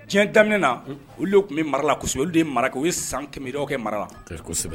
Diɲɛ daminɛna olu tun bɛ mara la kosɛbɛ. Olu de. ye mara kɛ. u ye san kɛmɛyirikaw kɛ mara la